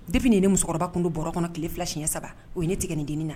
De nin ni musokɔrɔba tun don baro kɔnɔ tile fila siɲɛ saba o ye ne tigɛ nin deniin na